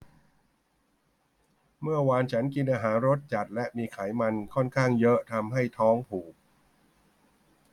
เมื่อวานฉันกินอาหารรสจัดและมีไขมันค่อนข้างเยอะทำให้ท้องผูก